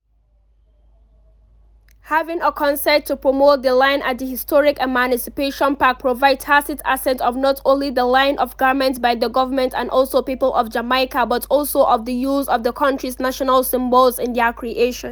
Having a concert to promote the line at the historic Emancipation Park provides tacit assent of not only the line of garments by the government and people of Jamaica, but also of the use of the country’s national symbols in their creation.